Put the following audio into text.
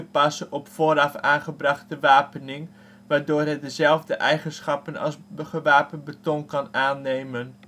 passen op vooraf aangebrachte wapening, waardoor het dezelfde eigenschappen als gewapend beton kan aannemen